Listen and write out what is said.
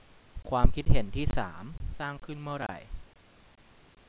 ความคิดเห็นที่สามสร้างขึ้นเมื่อไร